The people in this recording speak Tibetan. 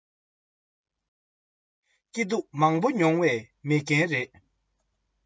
སྐྱིད སྡུག མང པོ མྱོང བའི མི རྒན རེད